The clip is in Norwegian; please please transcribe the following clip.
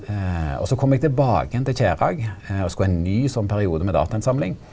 også kom eg tilbake igjen til Kjerag og skulle ha ein ny sånn periode med datainnsamling.